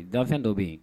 Dafɛn dɔ be yen